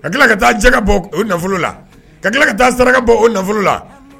Ka tila ka taa jɛ ka bɔ o nafolo la ka tila ka taa saraka bɔ o nafolo la